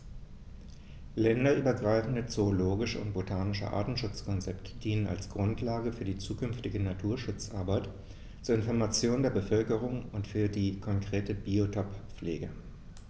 Länderübergreifende zoologische und botanische Artenschutzkonzepte dienen als Grundlage für die zukünftige Naturschutzarbeit, zur Information der Bevölkerung und für die konkrete Biotoppflege.